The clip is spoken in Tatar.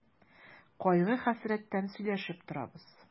Кайгы-хәсрәттән сөйләшеп торабыз.